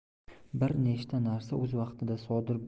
bir nechta narsa o'z vaqtida sodir